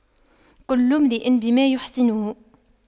كل امرئ بما يحسنه